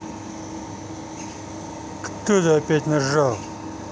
кто то опять нажал